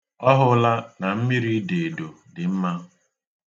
Ọ hụla na mmiri ido edo dị mma.